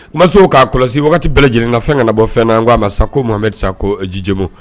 Maso k'a kɔlɔsi bɛɛ lajɛlen ka fɛn ka na bɔ fɛn na k ko a ma ko ma bɛri sa ko jijbo